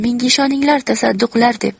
menga ishoninglar tasadduqlar debdi